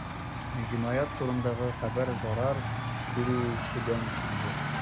Җинаять турындагы хәбәр зарар күрүчедән килде.